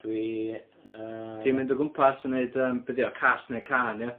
Dwi yy... Ti'n mynd o gwmpas yn neud yym be' 'di o cas neu cân ia?